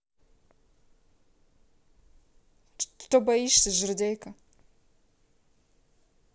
что боишься жердяйка